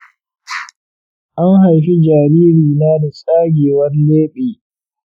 an haifi jariri na da tsagewar leɓe .